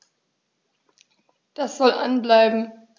Das soll an bleiben.